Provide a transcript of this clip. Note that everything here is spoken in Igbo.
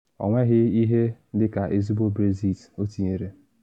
Ọ nweghị ihe dị ka ezigbo Brexit,’ o tinyere.